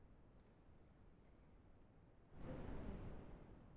составляй